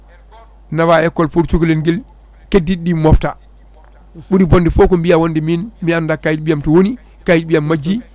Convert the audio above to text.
nawa école pour cukalel guel keddiɗiɗi mofta ɓurri bonde fo ko mbiya wonde min mi anda kayit ɓiyam to woni kayit ɓiyam majji